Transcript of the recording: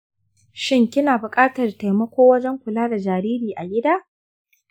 shin kina bukatar taimako wajen kula da jariri a gida?